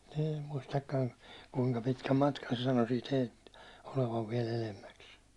en muistakaan kuinka pitkän matkan se sanoi siitä heiltä olevan vielä edemmäksi